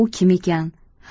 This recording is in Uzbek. u kim ekan